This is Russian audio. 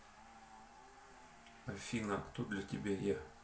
афина а кто для тебя я